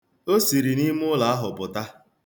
O siri n'ime ụlọ ahụ pụta.